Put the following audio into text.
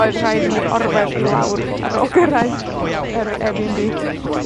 oedd rhaid i mi orwedd i lawr ar ôl gyrraedd yr Air Bee en Bee.